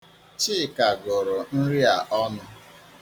Chika gụrụ nri a ọnụ.